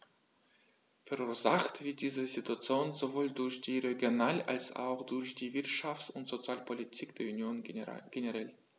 Verursacht wird diese Situation sowohl durch die Regional- als auch durch die Wirtschafts- und Sozialpolitik der Union generell.